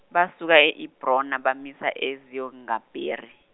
basuka e Ebrona bamisa Eziyongabheri.